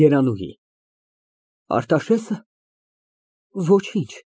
ԵՐԱՆՈՒՀԻ ֊ Արտաշե՞սը։ Ոչինչ։